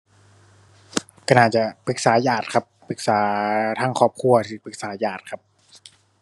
ก็น่าจะปรึกษาญาติครับ ปรึกษาทางครอบครัว สิปรึกษาญาติครับ